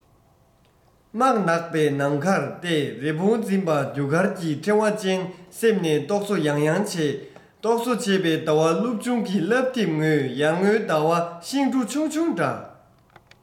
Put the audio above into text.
སྨག ནག པའི ནམ མཁར བལྟས རི བོང འཛིན པ རྒྱུ སྐར གྱི ཕྲེང བ ཅན སེམས ནས རྟོག བཟོ ཡང ཡང བྱས རྟོག བཟོ བྱས པའི ཟླ བ སློབ ཆུང གི བསླབ དེབ ངོས ཡར ངོའི ཟླ བ ཤིང གྲུ ཆུང ཆུང འདྲ